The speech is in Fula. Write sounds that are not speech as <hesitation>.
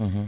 <hesitation> <hesitation>